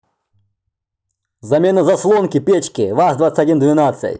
замена заслонки печки ваз двадцать один двенадцать